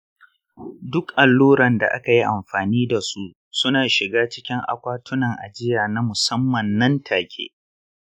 duk alluran da aka yi amfani da su suna shiga cikin akwatunan ajiya na musamman nan take.